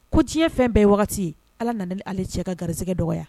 Ko tiɲɛ fɛn bɛɛ wagati ala nan ale cɛ ka garisɛgɛ nɔgɔyaya